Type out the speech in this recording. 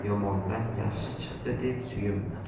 yomondan yaxshi chiqdi deb suyunma